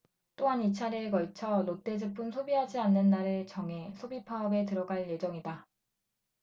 또한 이 차례에 걸쳐 롯데 제품 소비하지 않는 날을 정해 소비 파업에 들어갈 예정이다